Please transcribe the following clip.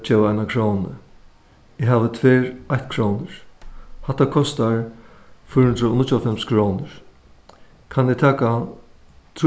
geva eina krónu eg havi tvær eittkrónur hatta kostar fýra hundrað og níggjuoghálvfems krónur kann eg taka